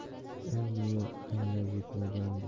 u meni anglab yetmagandi